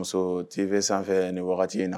Muso TV sanfɛ ni wagati in na.